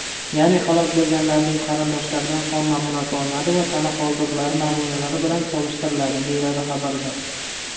ya'ni halok bo'lganlarning qarindoshlaridan qon namunasi olinadi va tana qoldiqlari namunalari bilan solishtiriladi deyiladi xabarda